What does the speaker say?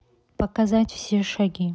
показать все шаги